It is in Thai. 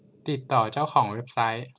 ติดต่อเจ้าของเว็บไซต์